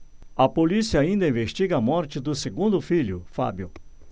a polícia ainda investiga a morte do segundo filho fábio